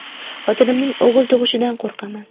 xotinimning o'g'il tug'ishidan qo'rqaman